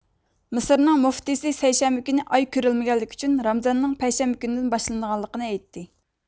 مىسىرنىڭ مۇفتىسى سەيشەنبە كۈنى ئاي كۆرۈلمىگەنلىكى ئۈچۈن رامزاننىڭ پەيشەنبە كۈندىن باشلىنىدىغانلىقىنى ئېيتتى